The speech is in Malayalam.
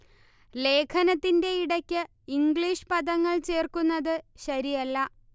ലേഖനത്തിന്റെ ഇടക്ക് ഇംഗ്ലീഷ് പദങ്ങൾ ചേർക്കുന്നത് ശരിയല്ല